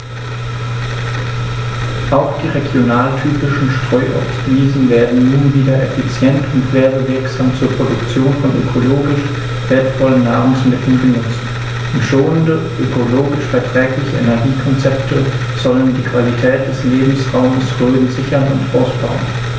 Auch die regionaltypischen Streuobstwiesen werden nun wieder effizient und werbewirksam zur Produktion von ökologisch wertvollen Nahrungsmitteln genutzt, und schonende, ökologisch verträgliche Energiekonzepte sollen die Qualität des Lebensraumes Rhön sichern und ausbauen.